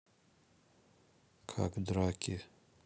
как драки